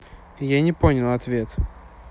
я не понял ответ